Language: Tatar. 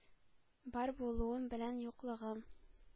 Бар булуым белән юклыгым.